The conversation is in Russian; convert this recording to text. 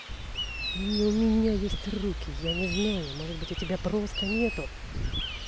не у меня есть руки я не знаю может быть у тебя просто нету